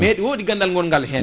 ɓe ɗi wodi gandal gongal hen